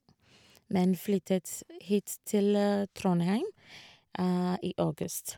Men flyttet hit til Trondheim i august.